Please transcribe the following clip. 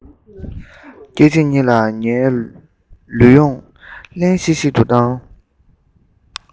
སྐད ཅིག ཉིད ལ ངའི ལུས ཡོངས བརླན ཤིག ཤིག ཏུ བཏང